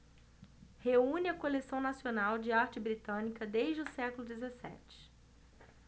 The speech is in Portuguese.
reúne a coleção nacional de arte britânica desde o século dezessete